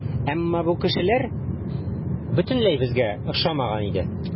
Әмма бу кешеләр бөтенләй безгә охшамаган иде.